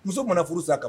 Muso mana furu san a kama